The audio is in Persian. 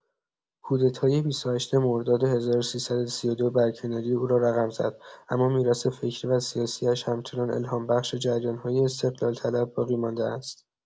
کودتای ۲۸ مرداد ۱۳۳۲ برکناری او را رقم زد، اما میراث فکری و سیاسی‌اش همچنان الهام‌بخش جریان‌های استقلال‌طلب باقی‌مانده است.